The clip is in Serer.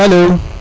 alo